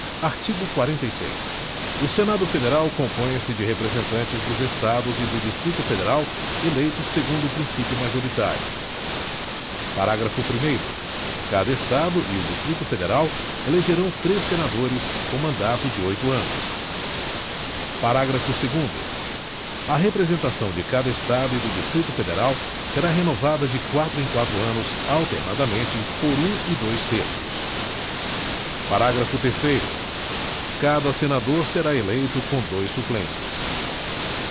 artigo quarenta e seis o senado federal compõe se de representantes dos estados e do distrito federal eleitos segundo o princípio majoritário parágrafo primeiro cada estado e o distrito federal elegerão três senadores com mandato de oito anos parágrafo segundo a representação de cada estado e do distrito federal será renovada de quatro em quatro anos alternadamente por um e dois terços parágrafo terceiro cada senador será eleito com dois suplentes